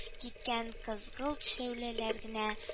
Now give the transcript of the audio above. Киткән кызгылт шәүләләр генә